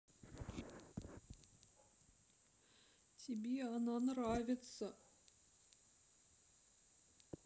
тебе она нравится